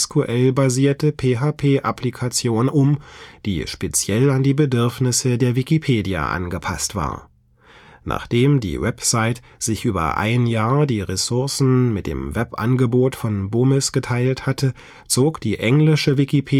MySQL-basierte PHP-Applikation (Phase II) um, die speziell an die Bedürfnisse der Wikipedia angepasst war. Nachdem die Website sich über ein Jahr die Ressourcen mit dem Webangebot von Bomis geteilt hatte, zog die englische Wikipedia